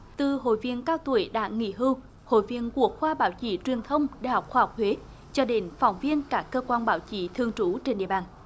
từ hội viên cao tuổi đã nghỉ hưu hội viên của khoa báo chí truyền thông đại học khoa học huế cho đến phóng viên các cơ quan báo chí thường trú trên địa bàn